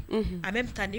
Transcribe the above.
Unun, a bɛɛ bɛ tan